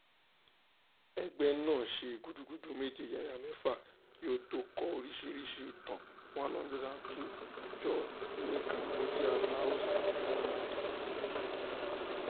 Ẹgbẹ́ náà ṣe gudugudu méje yàyà mẹ́fà kí ó tó kó oríṣiríṣi ìtàn 102 jọ ní Cambodia, Laos, àti Thailand.